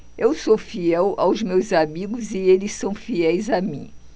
eu sou fiel aos meus amigos e eles são fiéis a mim